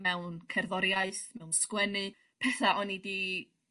mewn cerddoriaeth mewn sgwennu petha' o'n i 'di